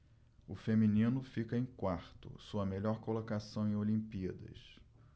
o feminino fica em quarto sua melhor colocação em olimpíadas